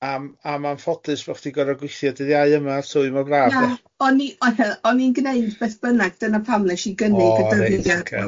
Am am anffodus bo' chdi gorod gweithio dydd Iau yma ar tywy ma mor braf. Na, o'n i o'n i'n gneud beth bynnag, dyna pam wnes i gynnig y dydd Iau... O reit ocê.